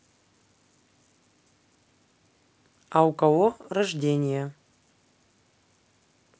а у кого рождения